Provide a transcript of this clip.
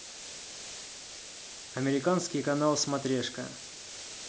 американский канал смотрешка